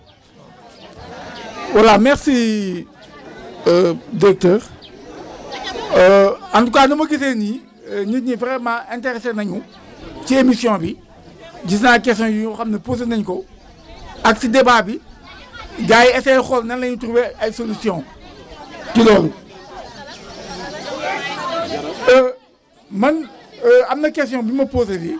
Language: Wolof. voilà merci directeur en tout cas ni ma gisee nii nit ñi vraiment interessé nañu ci émission bi gis naa questions yoo xam ne posées nañu ko ak si débat bi gars yi essayé xool nan la ñuy trouvé ay solution ci loolu man am na question buñ ma posée fii